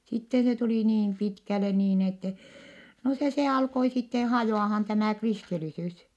sitten se tuli niin pitkälle niin että no se se alkoi sitten hajoamaan tämä kristillisyys